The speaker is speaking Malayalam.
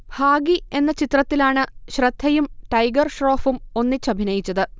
ഭാഗി എന്ന ചിത്രത്തിലാണ് ശ്രദ്ധയും ടൈഗർ ഷ്റോഫും ഒന്നിച്ചഭിനയിച്ചത്